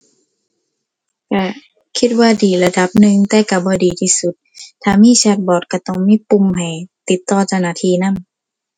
ก็คิดว่าดีระดับหนึ่งแต่ก็บ่ดีที่สุด ถ้ามีแชตบอตก็ต้องมีปุ่มให้ติดต่อเจ้าหน้าที่นำ